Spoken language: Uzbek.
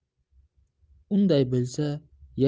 unday bo'lsa yashashning